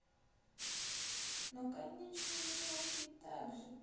ну конечно елки также